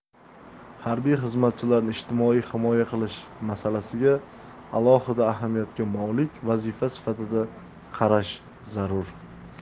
harbiy xizmatchilarni ijtimoiy himoya qilish masalasiga alohida ahamiyatga molik vazifa sifatida qarash zarur